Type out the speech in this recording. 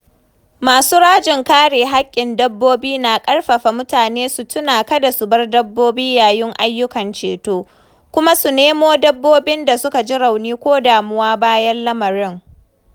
Masu rajin kare haƙƙin dabbobi na ƙarfafa mutane su tuna kada su bar dabbobi yayin ayyukan ceto, kuma su nemo dabbobin da suka ji rauni ko damuwa bayan lamarin.